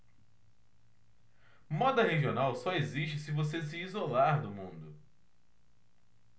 moda regional só existe se você se isolar do mundo